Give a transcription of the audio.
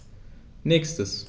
Nächstes.